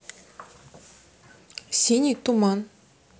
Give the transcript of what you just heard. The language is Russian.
синий туман